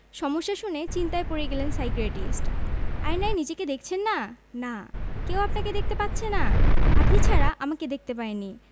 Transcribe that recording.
সমস্যা শুনে চিন্তায় পড়ে গেলেন সাইকিয়াট্রিস্ট আয়নায় নিজেকে দেখছেন না না কেউ আপনাকে দেখতে পাচ্ছে না আপনি ছাড়া আমাকে দেখতে পায়নি